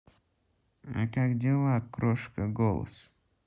а как дела крошка голос